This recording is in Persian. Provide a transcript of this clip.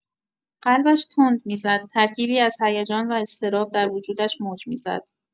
قلبش تند می‌زد، ترکیبی از هیجان و اضطراب در وجودش موج می‌زد.